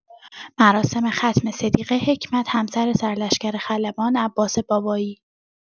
مراسم ختم صدیقه حکمت همسر سرلشکر خلبان عباس بابایی